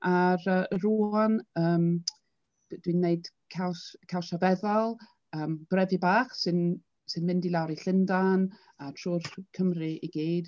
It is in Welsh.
Ar yy y rŵan yym 'di wneud caws cawsau feddal, yym Brefu Bach sy'n sy'n mynd i lawr i Llundain a drwy'r Cymru i gyd.